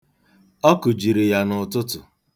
Ọ kụjiri ya n'ụtụtụ.